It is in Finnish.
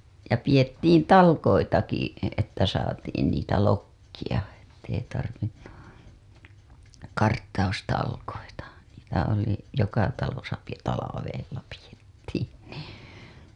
ja pidettiin talkoitakin että saatiin niitä lokkia että ei tarvinnut karttaustalkoita niitä oli joka talossa - talvella pidettiin niin